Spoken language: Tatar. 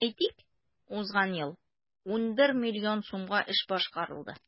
Әйтик, узган ел 11 миллион сумга эш башкарылды.